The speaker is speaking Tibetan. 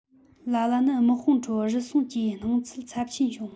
ལ ལ ནི དམག དཔུང ཁྲོད རུལ སུངས ཀྱི སྣང ཚུལ ཚབས ཆེན བྱུང